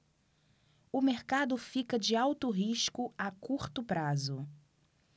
o mercado fica de alto risco a curto prazo